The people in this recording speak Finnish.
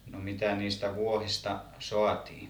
no mitä niistä vuohista saatiin